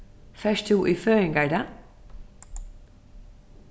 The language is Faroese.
fert tú í føðingardag